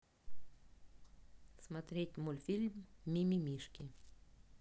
смотреть мультфильм мимимишки